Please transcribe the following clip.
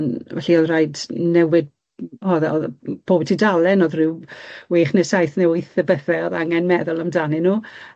###n- felly o'dd raid newid m- o o'dd e o'dd yy m- bob tudalen o'dd ryw wech ne' saith ne' wyth o bethe o'dd angen meddwl amdanyn nw.